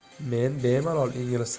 men bemalol ingliz